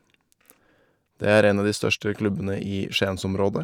Det er en av de største klubbene i Skiensområdet.